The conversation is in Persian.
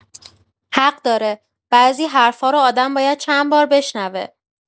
حق داره، بعضی حرف‌ها رو آدم باید چند بار بشنوه.